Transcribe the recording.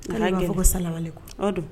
A kɛ ko sa